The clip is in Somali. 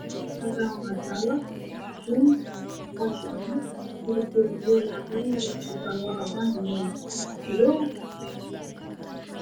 Halkaan waxaa taalo kuul faashiyoon ah midabkeedu fiyool iyo cadaan ah, meesha uu yaalana waa madow iyo cadaan.